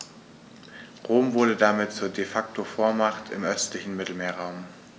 Rom wurde damit zur ‚De-Facto-Vormacht‘ im östlichen Mittelmeerraum.